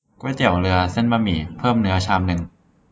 ก๋วยเตี๋ยวเรือเส้นบะหมี่เพิ่มเนื้อชามนึง